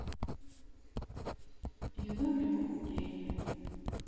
еда для похудения